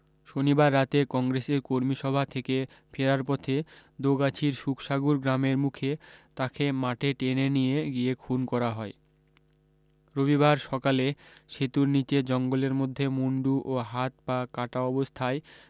শনিবার রাতে কংগ্রেসের কর্মীসভা থেকে ফেরার পথে দোগাছির শুকসাগর গ্রামের মুখে তাঁকে মাঠে টেনে নিয়ে গিয়ে খুন করা হয় রবিবার সকালে সেতুর নীচে জঙ্গলের মধ্যে মুন্ডু ও হাত পা কাটা অবস্থায়